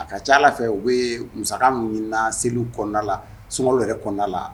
A ka ca fɛ u we mu minnu na seli kɔnɔnada la sumaworo wɛrɛ kɔnda la